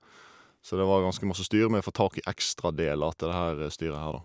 Så det var ganske masse styr med å få tak i ekstradeler til det her styret her, da.